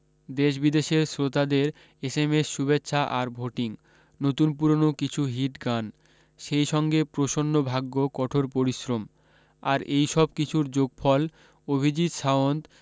দেশ বিদেশের শ্রোতাদের এসএমএস শুভেচ্ছা আর ভোটিং নতুন পুরনো কিছু হিট গান সেই সঙ্গে প্রসন্ন ভাগ্য কঠোর পরিশ্রম আর এই সব কিছুর যোগফল অভিজিত সাওন্ত